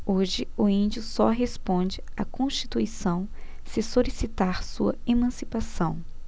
hoje o índio só responde à constituição se solicitar sua emancipação